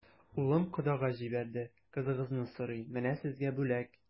Улым кодага җибәрде, кызыгызны сорый, менә сезгә бүләк.